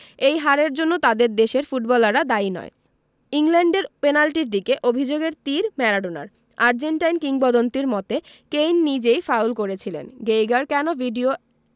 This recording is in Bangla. এই হারের জন্য তাদের দেশের ফুটবলাররা দায়ী নয় ইংল্যান্ডের পেনাল্টির দিকে অভিযোগের তির ম্যারাডোনার আর্জেন্টাইন কিংবদন্তির মতে কেইন নিজেই ফাউল করেছিলেন গেইগার কেন ভিডিও